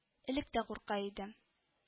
Элек тә курка идем